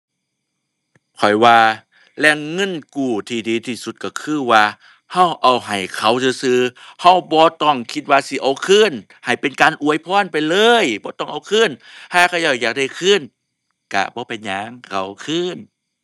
ข้อยว่าแหล่งเงินกู้ที่ดีที่สุดก็คือว่าก็เอาให้เขาซื่อซื่อ ก็บ่ต้องคิดว่าสิเอาคืนให้เป็นการอวยพรไปเลยบ่ต้องเอาคืน ห่าเขาเจ้าอยากได้คืนก็บ่เป็นหยังก็เอาคืน